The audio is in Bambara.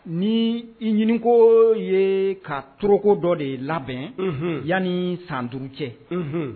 Ni i ɲiniko ye ka toroko dɔ de labɛn yan ni san duuruuru cɛ